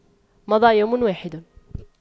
مضى يوم واحد